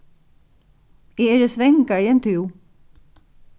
eg eri svangari enn tú